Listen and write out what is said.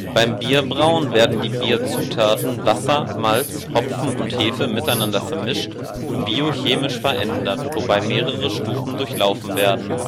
Beim Bierbrauen werden die Bierzutaten Wasser, Malz, Hopfen und Hefe miteinander vermischt und biochemisch verändert, wobei mehrere Stufen durchlaufen werden